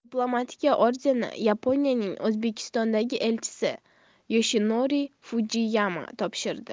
diplomatga ordenni yaponiyaning o'zbekistondagi elchisi yoshinori fujiyama topshirdi